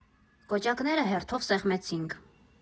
Կոճակները հերթով սեղմեցինք։